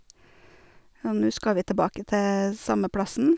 Og nå skal vi tilbake til samme plassen.